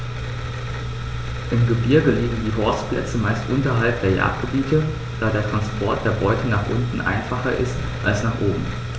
Im Gebirge liegen die Horstplätze meist unterhalb der Jagdgebiete, da der Transport der Beute nach unten einfacher ist als nach oben.